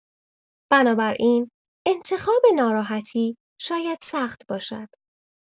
بنابراین انتخاب ناراحتی شاید سخت باشد.